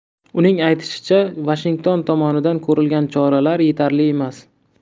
uning aytishicha vashington tomonidan ko'rilgan choralar yetarli emas